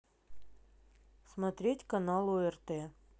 смотреть канал орт